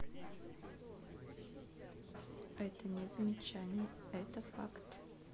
это не замечание это факт